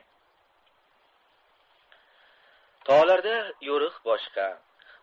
toglarda yo'rig' boshqa